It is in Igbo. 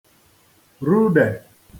rudè